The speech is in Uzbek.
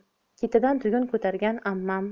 ketidan tugun ko'targan ammam